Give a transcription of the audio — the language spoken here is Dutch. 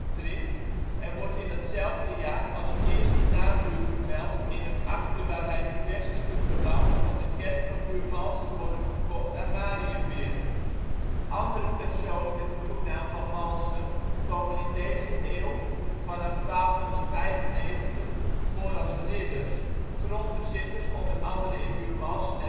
Tricht en wordt in datzelfde jaar als eerste nabuur vermeld in een akte waarbij diverse stukken land van de kerk van Buurmalsen worden verkocht aan Mariënweerd. Andere personen met de toenaam Van Malsen komen in deze eeuw (vanaf 1295) voor als ridders, grondbezitters onder andere in Buurmalsen